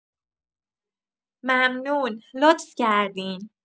ممنون، لطف کردین.